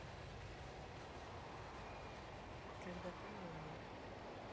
когда павел олег